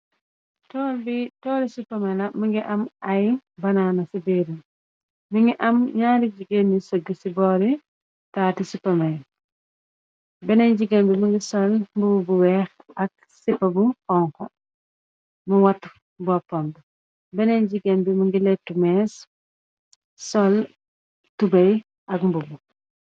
Toul bi toul li supamela mungi am ay banaana ci biiram mungi am ñaari jigéen nu sëgg ci boori taati supame beneen jigéen bi mungi sol mbub bu weex ak sipa bu honko mu wat boppomb beneen jigéen bi mungi letu mees sol tubey ak mbugb.